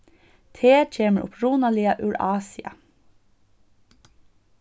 te kemur upprunaliga úr asia